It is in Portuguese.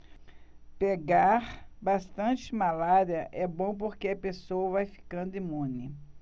pegar bastante malária é bom porque a pessoa vai ficando imune